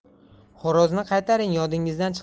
xo'rozni qaytaring yodingizdan